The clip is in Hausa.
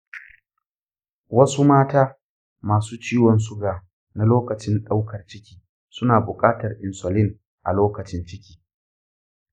wasu mata masu ciwon suga na lokacin ɗaukar ciki suna buƙatar insulin a lokacin ciki.